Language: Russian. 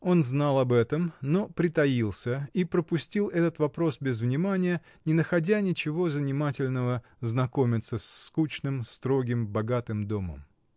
Он знал об этом, но притаился и пропустил этот вопрос без внимания, не находя ничего занимательного знакомиться с скучным, строгим, богатым домом.